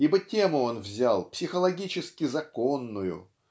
Ибо тему он взял психологически-законную